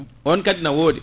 on kadi na wodi